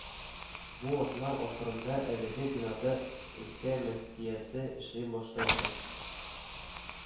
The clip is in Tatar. Бу атна ахырында әлеге бинада өлкә мөфтияте эшли башлаячак